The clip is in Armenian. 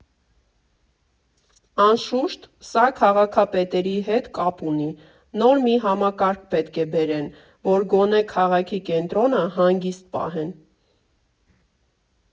Անշուշտ, սա քաղաքապետերի հետ կապ ունի, նոր մի համակարգ պետք է բերեն, որ գոնե քաղաքի կենտրոնը հանգիստ պահեն։